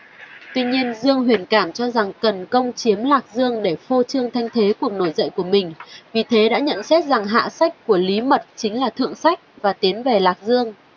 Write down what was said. tuy nhiên dương huyền cảm cho rằng cần công chiếm lạc dương để phô trương thanh thế cuộc nổi dậy của mình vì thế đã nhận xét rằng hạ sách của lý mật chính là thượng sách và tiến về lạc dương